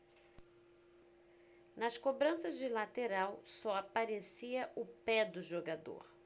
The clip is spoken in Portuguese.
nas cobranças de lateral só aparecia o pé do jogador